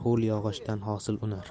ho'l yog'ochdan hosil unar